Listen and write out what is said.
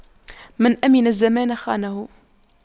من أَمِنَ الزمان خانه